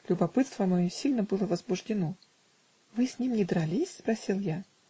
Любопытство мое сильно было возбуждено. -- Вы с ним не дрались? -- спросил я.